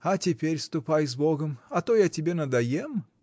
А теперь ступай с богом, а то я тебе надоем.